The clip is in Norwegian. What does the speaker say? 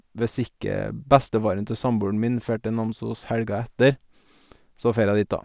Hvis ikke bestefaren til samboeren min fær til Namsos helga etter, så farer jeg dit da.